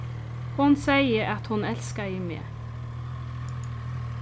hon segði at hon elskaði meg